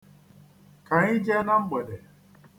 Ka anyị jee na mgbede.